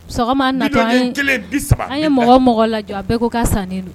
Sɔgɔma na an ye mɔgɔ mɔgɔ lajɛ a bɛɛ ko ka sanlen do